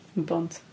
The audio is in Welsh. Yn Bont.